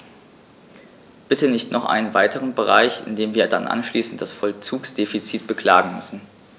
Bitte nicht noch einen weiteren Bereich, in dem wir dann anschließend das Vollzugsdefizit beklagen müssen.